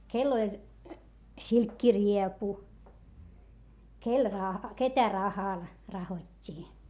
kenellä oli silkkiriepu kenellä - ketä rahalla rahottiin